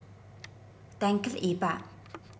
གཏན འཁེལ འོས པ